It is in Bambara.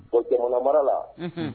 Bon jamana mara la